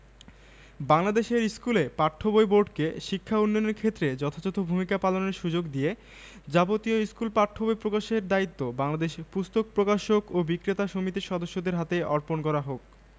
বাংলাদেশের স্কুলে পাঠ্য বই বোর্ডকে শিক্ষা উন্নয়নের ক্ষেত্রে যথাযথ ভূমিকা পালনের সুযোগ দিয়ে যাবতীয় স্কুল পাঠ্য বই প্রকাশের দায়িত্ব বাংলাদেশ পুস্তক প্রকাশক ও বিক্রেতা সমিতির সদস্যদের হাতে অর্পণ করা হোক